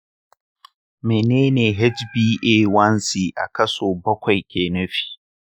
mene ne hba1c a kaso bakwai ke nufi?